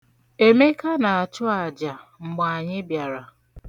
Emeka na-achụ aja mgbe anyị bịara.